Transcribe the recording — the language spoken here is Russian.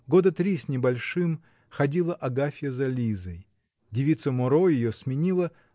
Года три с небольшим ходила Агафья за Лизой девица Моро ее сменила